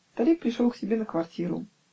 Старик пришел к себе на квартиру.